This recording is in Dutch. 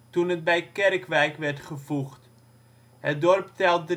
toen het bij Kerkwijk werd gevoegd. Het dorp telt